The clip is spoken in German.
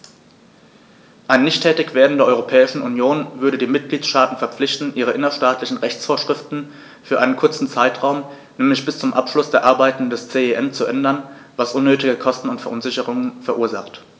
Ein Nichttätigwerden der Europäischen Union würde die Mitgliedstaten verpflichten, ihre innerstaatlichen Rechtsvorschriften für einen kurzen Zeitraum, nämlich bis zum Abschluss der Arbeiten des CEN, zu ändern, was unnötige Kosten und Verunsicherungen verursacht.